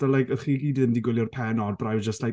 like o'ch chi gyd ddim wedi gwylio'r pennod but I was just like,